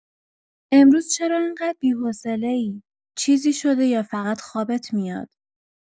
امروز چرا اینقدر بی‌حوصله‌ای، چیزی شده یا فقط خوابت میاد؟